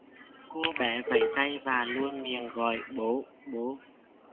cô bé vẫy tay và luôn miệng gọi bố bố